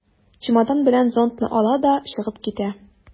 Чемодан белән зонтны ала да чыгып китә.